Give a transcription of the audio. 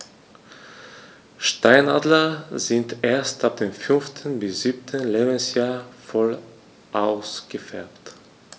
Steinadler sind erst ab dem 5. bis 7. Lebensjahr voll ausgefärbt.